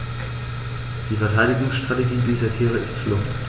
Die Verteidigungsstrategie dieser Tiere ist Flucht.